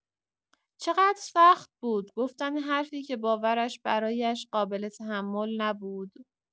چقدر سخت بود گفتن حرفی که باورش برایش قابل‌تحمل نبود.